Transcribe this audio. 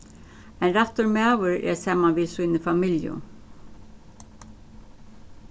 ein rættur maður er saman við síni familju